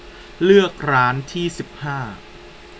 เลือกร้านลำดับสิบห้า